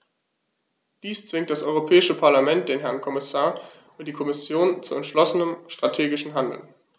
Dies zwingt das Europäische Parlament, den Herrn Kommissar und die Kommission zu entschlossenem strategischen Handeln.